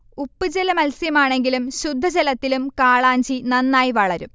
ഉപ്പ്ജല മത്സ്യമാണെങ്കിലും ശുദ്ധജലത്തിലും കാളാഞ്ചി നന്നായ് വളരും